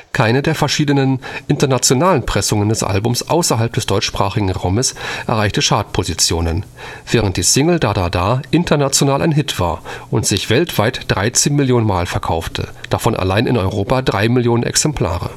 Keine der verschiedenen internationalen Pressungen des Albums außerhalb des deutschsprachigen Raumes erreichte Chartpositionen, während die Single Da Da Da international ein Hit war und sich weltweit 13 Millionen Mal verkaufte, davon allein in Europa 3 Millionen Exemplare